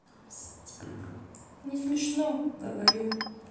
не смешно говорю